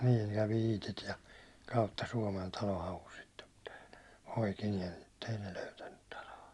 niin kävi Iitit ja kautta Suomen talon haussa sitten mutta poikineen mutta ei ne löytänyt taloa